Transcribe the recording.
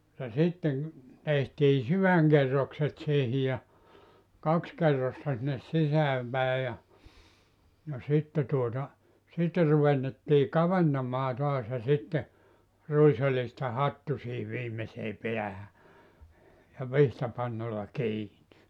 ja sitten tehtiin sydänkerrokset siihen ja kaksi kerrosta sinne sisään päin ja ja sitten tuota sitten ruvettiin kaventamaan taas ja sitten ruisoljista hattu siihen viimeiseen päähän ja vitsapannalla kiinni